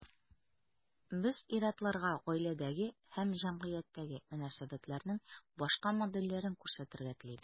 Без ир-атларга гаиләдәге һәм җәмгыятьтәге мөнәсәбәтләрнең башка модельләрен күрсәтергә телибез.